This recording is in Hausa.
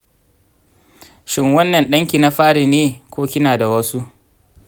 shin wannan ɗan ki na fari ne, ko kina da wasu?